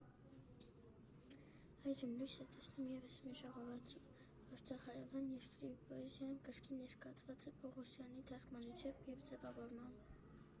Այժմ լույս է տեսնում ևս մեկ ժողովածու, որտեղ հարևան երկրի պոեզիան կրկին ներկայացված է Պողոսյանի թարգմանությամբ (և ձևավորմամբ).